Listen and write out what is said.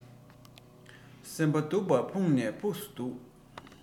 སེམས པ སྡུག པ ཕུགས ནས ཕུགས སུ སྡུག